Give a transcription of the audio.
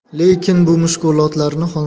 lekin bu mushkulotlarni